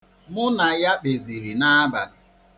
Mụ na ya kpeziri n'abalị.